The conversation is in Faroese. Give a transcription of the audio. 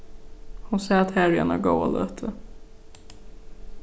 hon sat har í eina góða løtu